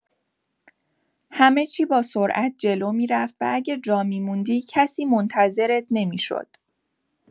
همه‌چی با سرعت جلو می‌رفت و اگه جا می‌موندی، کسی منتظرت نمی‌شد.